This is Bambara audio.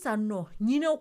Nɔ